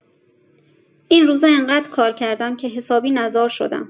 این روزا انقد کار کردم که حسابی نزار شدم.